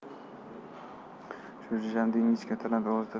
shu jo'jami dedi ingichka tajang ovozda